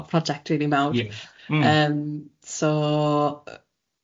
project dwi ddim mewn... Mm. ...yy